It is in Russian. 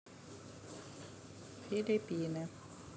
филиппины